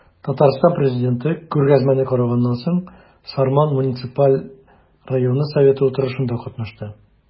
Татарстан Президенты күргәзмәне караганнан соң, Сарман муниципаль районы советы утырышында катнашты.